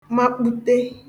makpute